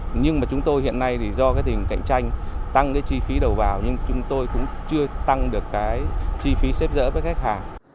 nhưng mà chúng tôi hiện nay thì do cái tính cạnh tranh tăng cái chi phí đầu vào nhưng chúng tôi cũng chưa tăng được cái chi phí xếp dỡ với khách hàng